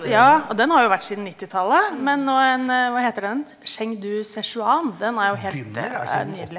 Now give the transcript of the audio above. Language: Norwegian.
ja og den har jo vært siden nittitallet, men nå en , hva heter den, Chengdu Szechuan, den er jo helt nydelig.